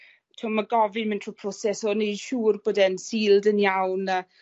t'wo' ma' gofyn myn' trw proses o neud siwr bod e'n sealed yn iawn a